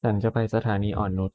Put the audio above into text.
ฉันจะไปสถานีอ่อนนุช